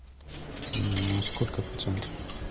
на сколько процентов